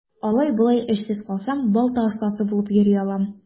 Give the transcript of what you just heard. Алай-болай эшсез калсам, балта остасы булып йөри алам.